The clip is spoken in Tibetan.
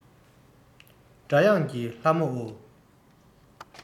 སྒྲ དབྱངས ཀྱི ལྷ མོ ཨོ